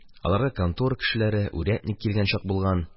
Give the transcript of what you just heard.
Аларга контор кешеләре, урядник килгән чак булган.